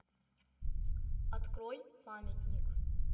открой памятник